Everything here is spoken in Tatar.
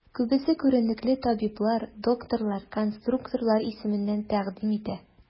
Күбесе күренекле табиблар, дикторлар, конструкторлар исемнәрен тәкъдим итә.